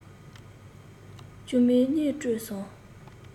གཅུང མོའི གཉིད དཀྲོགས སོང